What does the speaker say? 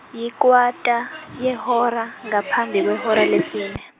yikwata yehora ngaphambi kwehora lesine.